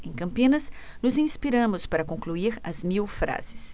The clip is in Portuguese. em campinas nos inspiramos para concluir as mil frases